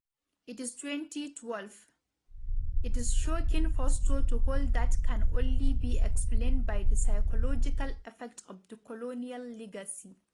It is 2012, it is shocking posture to hold that can only be explained by the psychological effects of the colonial legacy.